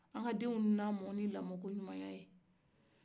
an ka den lamon ni lamon ko ɲumanya ye